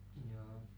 joo